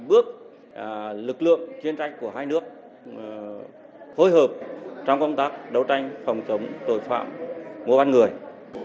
bước lực lượng chuyên trách của hai nước ờ phối hợp trong công tác đấu tranh phòng chống tội phạm mua bán người